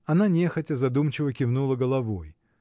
Она нехотя, задумчиво кивнула головой.